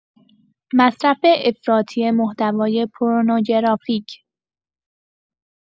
مصرف افراطی محتوای پورنوگرافیک